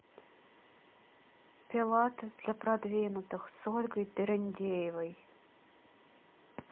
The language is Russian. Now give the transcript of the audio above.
пилатес для продвинутых с ольгой дерендеевой